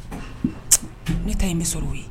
Ne ta ye bɛ sɔrɔ u ye